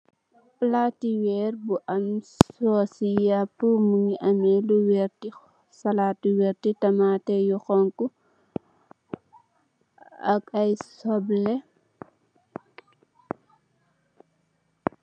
Palate werr bu am suseh yapou muge ameh lu werte salat yu werte tamate yu xonxo ak aye suble.